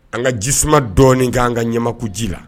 An ka jiuman dɔɔnin kɛ an ka ɲama ji la